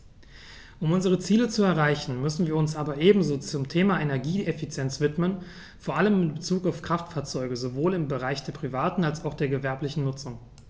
Um unsere Ziele zu erreichen, müssen wir uns aber ebenso dem Thema Energieeffizienz widmen, vor allem in Bezug auf Kraftfahrzeuge - sowohl im Bereich der privaten als auch der gewerblichen Nutzung.